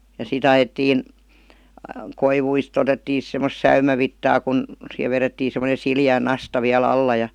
ja sitten ajettiin koivuista otettiin sitten semmoista säynävitsaa kun siihen vedettiin semmoinen sileä nasta vielä alla ja